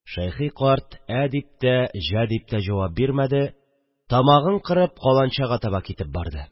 Шәйхи карт «ә» дип тә, «җә» дип тә җавап бирмәде, тамагын кырып каланчага таба китеп барды